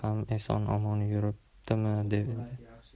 ham eson omon yuribdimi deydi